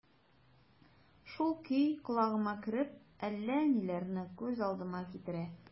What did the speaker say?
Шул көй колагыма кереп, әллә ниләрне күз алдыма китерә...